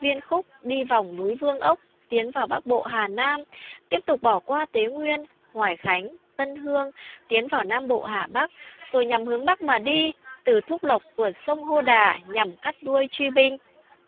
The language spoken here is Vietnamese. viên khúc đi vòng núi vương ốc tiến vào bắc bộ hà nam tiếp tục bỏ qua tế nguyên hoài khánh tân hương tiến vào nam bộ hà bắc rồi nhằm hướng bắc mà đi từ thúc lộc vượt sông hô đà nhằm cắt đuôi truy binh